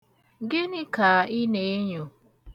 Gịnị ka ị na-enyo?